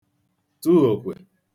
tụ òkwè